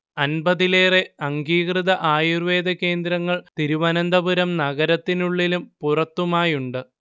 അൻപതിലേറെ അംഗീകൃത ആയുർവേദ കേന്ദ്രങ്ങൾ തിരുവനന്തപുരം നഗരത്തിനുള്ളിലും പുറത്തുമായുണ്ട്